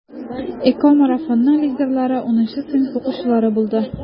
ЭКОмарафонның лидерлары 10 сыйныф укучылары булды.